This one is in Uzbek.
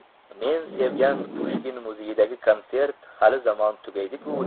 men sevgan pushkin muzeyidagi kontsert hali zamon tugaydi ku